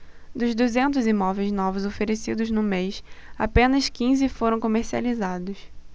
dos duzentos imóveis novos oferecidos no mês apenas quinze foram comercializados